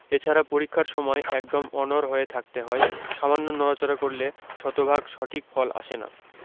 এছাড়া পরীক্ষার সময় একদম অনড় হয়ে থাকতে হয় সামান্য নড়াচড়া করলে শতভাগ সঠিক ফল আসে না